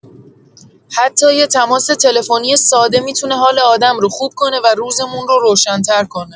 حتی یه تماس تلفنی ساده می‌تونه حال آدم رو خوب کنه و روزمون رو روشن‌تر کنه.